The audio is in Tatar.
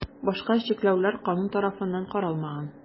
Башка чикләүләр канун тарафыннан каралмаган.